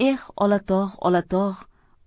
eh olatog' olatog'